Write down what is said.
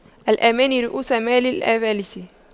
الأماني رءوس مال المفاليس